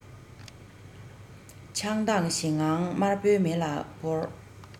ཆགས སྡང ཞེ སྡང དམར པོའི མེ ལ སྤོར